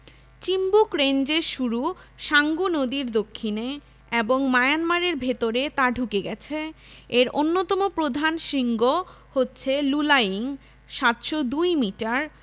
চিম্বুক রেঞ্জের শুরু সাঙ্গু নদীর দক্ষিণে এবং মায়ানমারের ভেতরে তা ঢুকে গেছে এর অন্যতম প্রধান শৃঙ্গ হচ্ছে লুলাইং ৭০২ মিটার